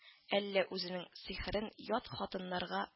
Әллә үзенең сихерен ят хатыннарга